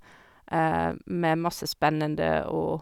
Med masse spennende å...